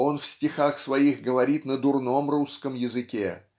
Он в стихах своих говорит на дурном русском языке.